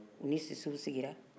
u ni sisew sigira